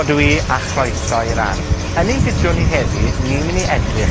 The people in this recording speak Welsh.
...odw i, a chroeso i'r ardd. Yn ein fideo ni heddi, ni myn' i edrych